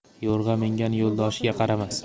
yo'rg'a mingan yo'ldoshiga qaramas